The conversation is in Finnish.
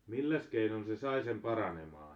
milläs keinoin se sai sen paranemaan